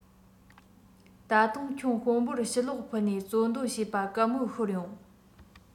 ད དུང ཁྱོད དཔོན པོར ཞུ ལོག ཕུལ ནས རྩོད འདོད བྱེད པ གད མོ ཤོར ཡོང